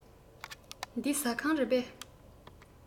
འདི ཟ ཁང རེད པས